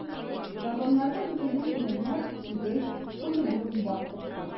Газоннарда чәчелгән үләннәр тигез, куе булып баш төрткән.